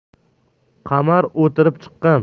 qamar o'tirib chiqqan